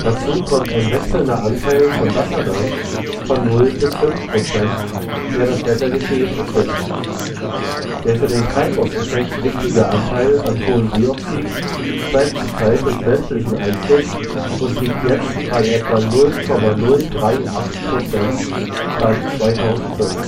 Dazu kommt ein wechselnder Anteil an Wasserdampf von 0 bis 5 %, der das Wettergeschehen bestimmt. Der für den Treibhauseffekt wichtige Anteil an Kohlendioxid steigt zurzeit durch menschlichen Einfluss und liegt jetzt bei etwa 0,038 % (Stand 2005).